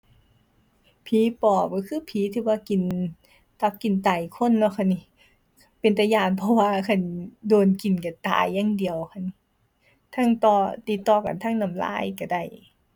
ผีปอบก็คือผีที่ว่ากินตับกินไตคนเนาะค่ะหนิ เป็นตาย้าน เพราะว่าคันโดนกินก็ตายอย่างเดียว เทิงต่อติดต่อกันทางน้ำลายก็ได้